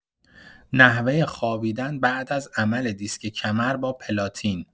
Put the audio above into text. نحوه خوابیدن بعد از عمل دیسک کمر با پلاتین